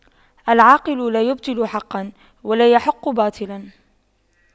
العاقل لا يبطل حقا ولا يحق باطلا